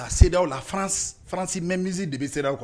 La CEDEAO, la France, France main mise de bɛ CEDEAO kan